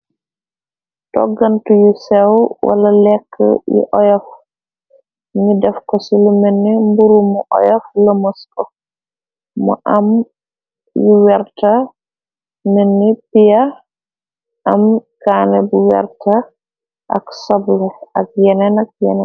Toggantu yu sew wala lekk yi oyof ni def ko sulu menne mburumu oyof la mos co.Mu am yu werta nenni pia am kanne bu werta ak soble ak yene na yenn.